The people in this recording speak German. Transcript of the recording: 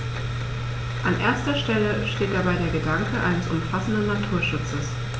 An erster Stelle steht dabei der Gedanke eines umfassenden Naturschutzes.